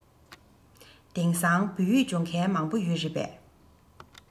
དེང སང བོད ཡིག སྦྱོང མཁན མང པོ ཡོད རེད པས